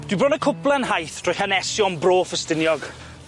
Dwi bron â cwpla'n nhaith drwy hanesion Bro Ffestiniog.